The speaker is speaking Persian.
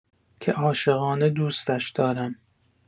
که عاشقانه دوستش دارم.